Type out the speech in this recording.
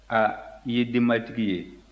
a i ye denbatigi ye